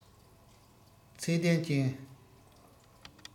ཚད ལྡན ཅན